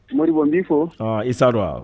M n min ko i saa don wa